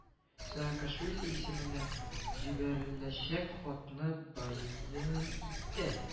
Саакашвили исеменә җибәреләчәк хатны бәян итә: